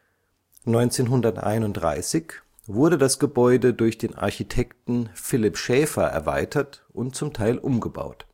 1931 wurde das Gebäude durch den Architekten Philipp Schaefer erweitert und zum Teil umgebaut